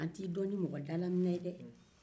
an t i dɔn ni mɔgɔdalaminɛ ye dɛ